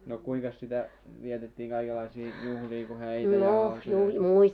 no kuinkas sitä vietettiin kaikenlaisia juhlia kuin häitä ja hautajaisia